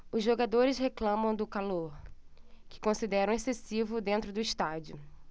os jogadores reclamam do calor que consideram excessivo dentro do estádio